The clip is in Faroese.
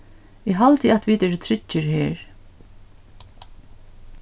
eg haldi at vit eru tryggir her